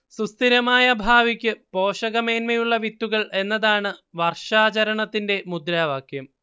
സുസ്ഥിരമായ ഭാവിക്ക് പോഷകമേന്മയുള്ള വിത്തുകൾ എന്നതാണ് വർഷാചരണത്തിന്റെ മുദ്രാവാക്യം